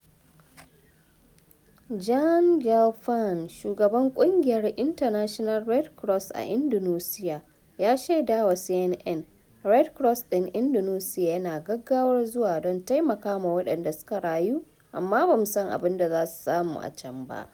Jan Gelfand, shugaban kungiyar international Red Cross a Indonesia, ya shaida wa CNN: "Red Cross din Indonesia yana gaggawar zuwa don taimaka ma waɗanda suka rayu amma ba mu san abin da za su samu a can ba.